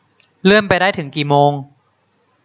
เลื่อนไปได้ถึงกี่โมง